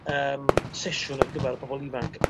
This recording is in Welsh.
yym sesiwn ar gyfar pobol ifanc